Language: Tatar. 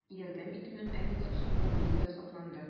Ярдәм итүнең әлеге ысулы быел да сакланды: